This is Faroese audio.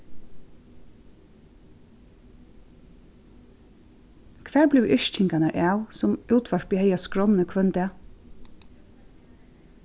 hvar blivu yrkingarnar av sum útvarpið hevði á skránni hvønn dag